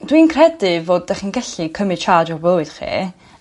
Dwi'n credu fod 'dych chi'n gallu cymryd charge o fywyd chi